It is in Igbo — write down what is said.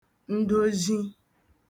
ndozhi